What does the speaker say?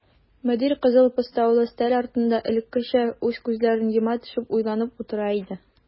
Мөдир кызыл постаулы өстәле артында элеккечә үк күзләрен йома төшеп уйланып утыра иде.